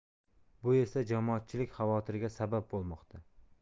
bu esa jamoatchilik xavotiriga sabab bo'lmoqda